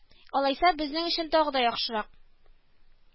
Алайса безнең өчен тагы да яхшырак